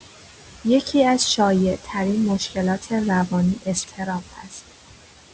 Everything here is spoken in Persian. یکی‌از شایع‌ترین مشکلات روانی اضطراب است.